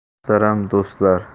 muhtaram do'stlar